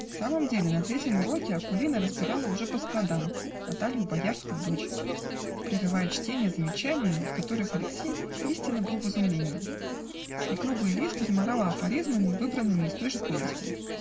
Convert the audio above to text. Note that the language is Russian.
В самом деле, на третьем уроке Акулина разбирала уже по складам "Наталью, боярскую дочь", прерывая чтение замечаниями, от которых Алексей истинно был в изумлении, и круглый лист измарала афоризмами, выбранными из той же повести.